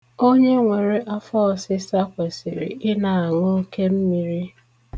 Onye nwere afọọsịsa kwesịrị ịna-aṅụ oke mmiri.